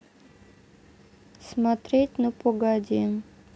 смотреть ну погоди